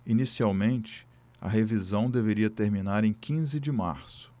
inicialmente a revisão deveria terminar em quinze de março